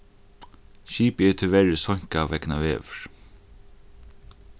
skipið er tíverri seinkað vegna veður